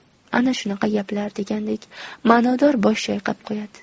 ana shunaqa gaplar degandek manodor bosh chayqab qo'yadi